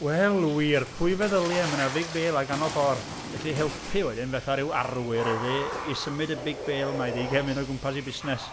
Wel wir, pwy feddylia. Mae 'na vig bale ar ganol ffor'. Felly helpu wedyn fatha ryw arwyr iddi i symud y big bale 'ma iddi, i gael mynd o gwmpas ei busnes."